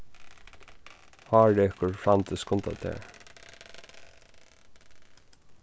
hárekur frændi skunda tær